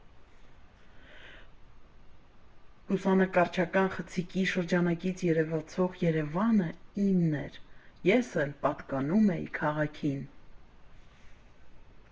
Լուսանկարչական խցիկի շրջանակից երևացող Երևանը իմն էր, ես էլ պատկանում էի քաղաքին։